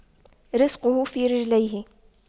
رِزْقُه في رجليه